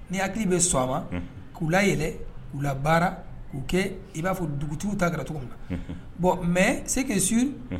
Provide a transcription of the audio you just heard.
Ni hakili bɛ sɔn a ma k'u la yɛlɛ u la baara k'u kɛ i b'a fɔ dugutigi ta kɛra cogo min na mɛ se' su